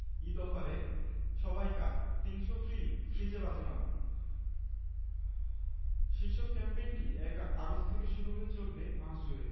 ঈদ অফারে সবাই কাত ৩০০ ফ্রি ফ্রিজে বাজিমাত শীর্ষক ক্যাম্পেইনটি ১ আগস্ট থেকে শুরু হয়ে চলবে মাস জুড়ে